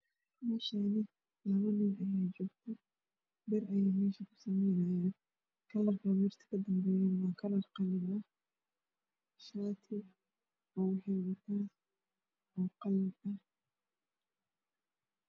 Meeshaani labo nin ayaa joogto bir ayey ku sameeynaayaan kalarka birta waa qalin shaati waxay wataan oo qalin ah